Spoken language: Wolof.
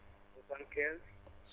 75